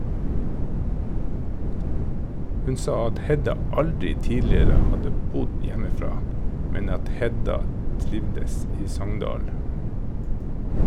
Hun sa at Hedda aldri tidligere hadde bodd hjemmefra, men at Hedda trivdes i Sogndal.